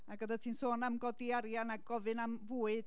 Ac oeddet ti'n sôn am godi arian a gofyn am fwyd